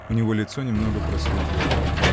У него лицо немного просветлело.